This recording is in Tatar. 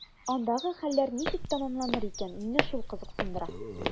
Андагы хәлләр ничек тәмамланыр икән – мине шул кызыксындыра.